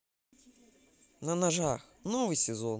на ножах новый сезон